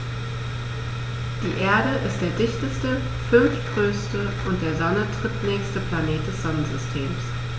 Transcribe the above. Die Erde ist der dichteste, fünftgrößte und der Sonne drittnächste Planet des Sonnensystems.